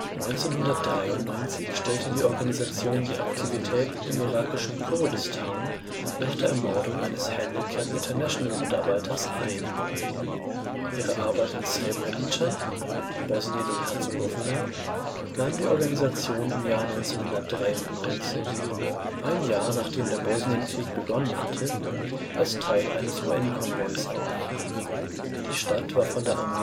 1993 stellte die Organisation die Aktivität im irakischen Kurdistan nach der Ermordung eines Handicap International-Mitarbeiters ein. Ihre Arbeit in Srebrenica (Bosnien und Herzegowina) nahm die Organisation im Jahr 1993, ein Jahr nachdem der Bosnienkrieg begonnen hatte, als Teil eines UN-Konvois auf. Die Stadt war von der